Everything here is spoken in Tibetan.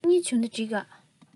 སང ཉིན བྱུང ན འགྲིག ག